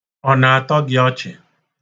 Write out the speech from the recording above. Ọ̀ na-atọ gị ọchị?